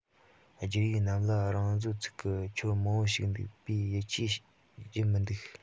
བསྒྱུར ཡིག རྣམས ལ རང བཟོའི ཚིག གི འཁྱོར མང པོ ཞུགས འདུག པས ཡིད ཆེས རྒྱུ མི འདུག